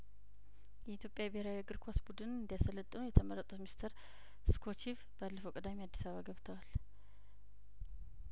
የኢትዮጵያ ብሄራዊ የእግር ኳስ ቡድንን እንዲ ያሰለጥኑ የተመረጡት ሚስተር ስኮቺቭ ባለፈው ቅዳሜ አዲስ አበባ ገብተዋል